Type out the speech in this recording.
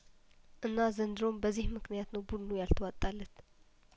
እና ዘንድሮም በዚህምክንያት ነው ቡድኑ ያልተዋጣለት